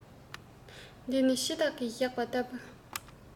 དེ ནི འཆི བདག གི ཞགས པ ལྟ བུ